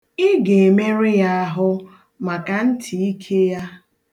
Ị ga-emerụ ya ahụ maka ntịike ya.